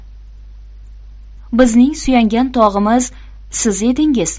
bizning suyangan tog'imiz siz edingiz